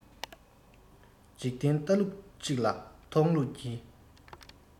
འཇིག རྟེན ལྟ ལུགས གཅིག ལ མཐོང ལུགས གཉིས